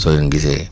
soo leen gisee